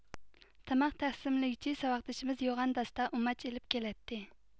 تاماق تەقسىملىگۈچى ساۋاقدىشىمىز يوغان داستا ئۇماچ ئېلىپ كېلەتتى